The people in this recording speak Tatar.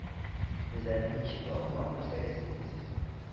Күзләренең ничек балкуын күрсәгез иде сез